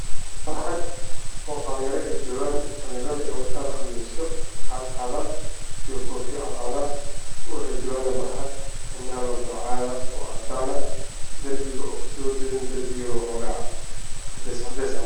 Waa meel banaan waxaa jooga wiilal wataan khamiistay cadaanka fiican nin ayaa taagan geeska oo wataqabaysa cadaan